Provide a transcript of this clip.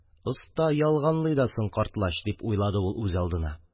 «оста ялганлый да соң картлач!» дип уйлады ул үзалдына.